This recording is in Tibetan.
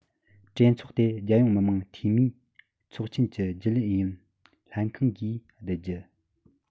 གྲོས ཚོགས དེ རྒྱལ ཡོངས མི དམངས འཐུས མིའི ཚོགས ཆེན གྱི རྒྱུན ལས ཨུ ཡོན ལྷན ཁང གིས བསྡུ རྒྱུ